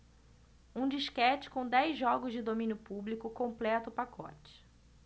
um disquete com dez jogos de domínio público completa o pacote